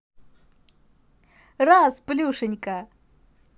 раз плюшенька